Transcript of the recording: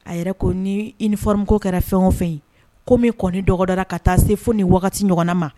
A yɛrɛ ko ni i ni fɔmko kɛra fɛn o fɛn yen ko min kɔni dɔgɔda ka taa se fo ni wagati ɲɔgɔn ma